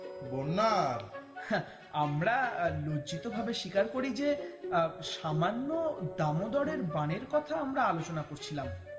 বন্যা আমরা লজ্জিত ভাবে স্বীকার করি যে সামান্য দামোদরের বানের কথা আমরা আলোচনা করছিলাম